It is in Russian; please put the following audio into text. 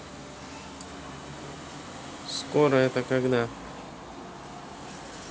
скоро это когда